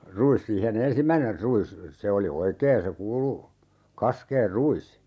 ruis siihen ensimmäinen ruis se oli oikein se kuulu kasken ruis